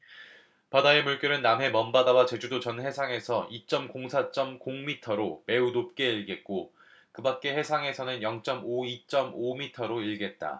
바다의 물결은 남해 먼바다와 제주도 전 해상에서 이 쩜 공 사 쩜 공 미터로 매우 높게 일겠고 그 밖의 해상에서는 영 쩜 오 이 쩜 오 미터로 일겠다